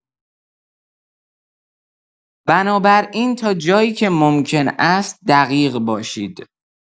بنابراین تا جایی که ممکن است دقیق باشید.